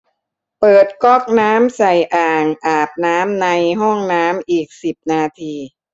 เปิดก๊อกน้ำใส่อ่างอาบน้ำในห้องน้ำอีกสิบนาที